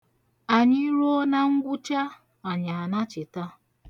Anyị ruo na ngwụcha, anyị anachita.